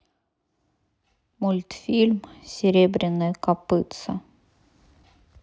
мультфильм серебряное копытце